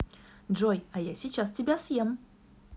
джой а я сейчас тебя съем